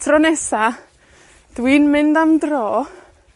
tro nesa, dwi'n mynd am dro